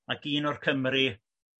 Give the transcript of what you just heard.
ac un o'r Cymry